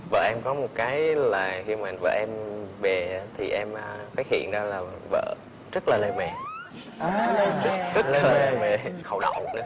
vợ em có một cái là khi mà vợ em về thì em phát hiện ra là vợ rất là lề mề rất là lề mề hậu đậu nữa